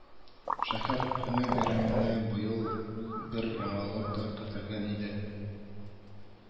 Шәһәр көне бәйрәменә быел бер яңалык та кертелгән иде